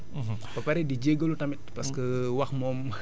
di sant ñëpp di di di di gërëm ñëpp daal